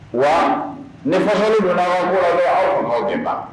Wa ne fali donnab bɛ aw fa aw gɛn ban